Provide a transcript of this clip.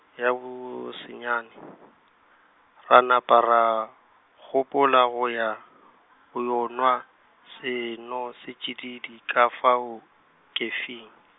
ya bo senyane , ra napa ra, gopola go ya, go yo nwa, senosetšididi ka fao, khefing.